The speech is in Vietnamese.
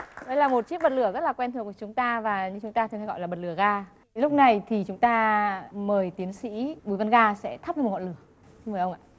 đây là một chiếc bật lửa rất là quen thuộc với chúng ta và chúng ta thường gọi là bật lửa ga lúc này thì chúng ta mời tiến sĩ bùi văn ga sẽ thắp ngọn lửa xin mời ông ạ